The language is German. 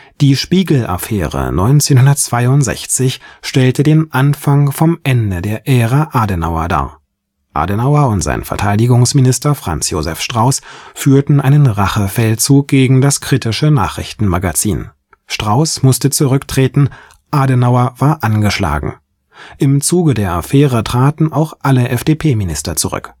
Die Spiegel-Affäre 1962 stellte den Anfang vom Ende der Ära Adenauer dar: Adenauer und sein Verteidigungsminister Franz Josef Strauß führten einen Rachefeldzug gegen das kritische Nachrichtenmagazin: Strauß musste zurücktreten, Adenauer war angeschlagen. Im Zuge der Affäre traten auch alle FDP-Minister zurück